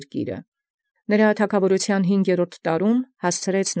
Ի հինգերորդի ամի թագաւորութեան նորա ի նա հասուցանէր։